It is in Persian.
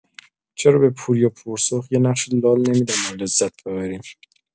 چرا به پوریا پورسرخ یه نقش لال نمی‌دن ما لذت ببریم؟